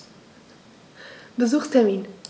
Besuchstermin